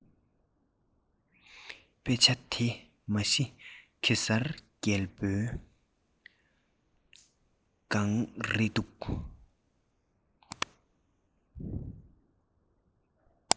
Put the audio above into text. དཔེ ཆ དེ མ གཞི གེ སར རྒྱལ པོའི སྒྲུང རེད འདུག